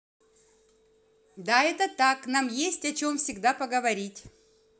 да это так нам есть о чем всегда поговорить